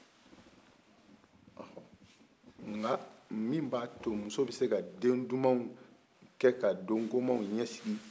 ɔhɔ nka min b'a to muso b'i se ka den dumanw kɛ ka don gomanw ɲɛsigi